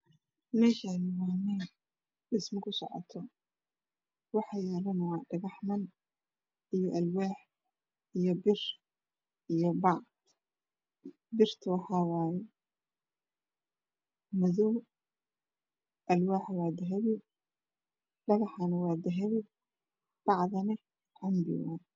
Meshan wa meeldhismokasocoto waxana yaalo dhagaxman iyo Alwax iyo bir iyo baf birtawaxawaye madow Alwaxa wa dahabi dhagaxana waadahabi bacdane canbewaye